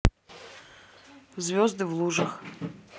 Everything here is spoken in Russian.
звезды в лужах